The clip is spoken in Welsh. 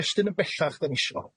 Ymestyn yn bellach 'dan ni isio.